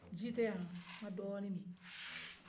ji tɛ yan n ka dɔɔni min